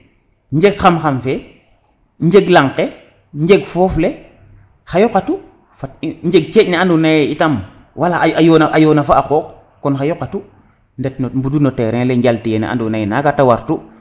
njeg xam xam fe njeg lang ke njeg foof le xa yoqatu fat i njeg ceeƴ ne ando naye itam wala a yona fo a qoq kon xa yoqatu ndet no mbudu no terrain le njal tiye ne nado naye naga te watu